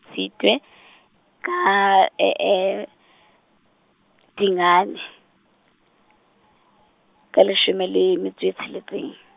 Tshitwe, ka e- e-, Dingane, ka leshome le metso e tsheletseng.